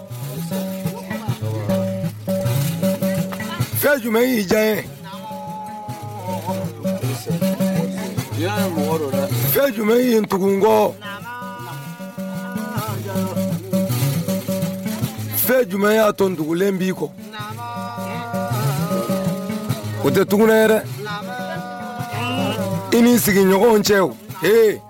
Jumɛn y'i ja jumɛn tugukɔ fɛn jumɛn y'a to dugulen b'i kɔ u tɛ tuguɛ yɛrɛ i nii sigiɲɔgɔnw cɛ h